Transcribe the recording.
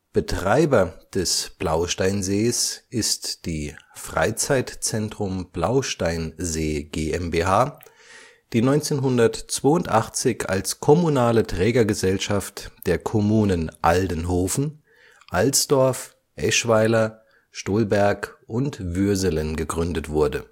Betreiber des Blausteinsees ist die Freizeitzentrum Blaustein-See GmbH, die 1982 als kommunale Trägergesellschaft der Kommunen Aldenhoven, Alsdorf, Eschweiler, Stolberg und Würselen gegründet wurde